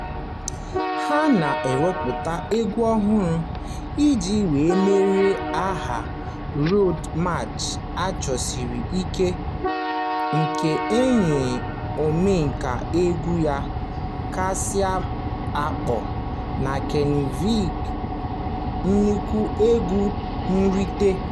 Ha na-ewepụta egwu ọhụrụ iji wee merie aha Road March a chọsiri ike, nke na-enye omenka egwu ya kasị kpọọ na Kanịva nnukwu ego nrite.